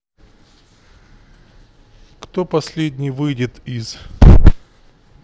кто последний выйдет из